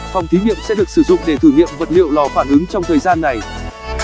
phòng thí nghiệm sẽ được sử dụng để thử nghiệm vật liệu lò phản ứng trong thời gian này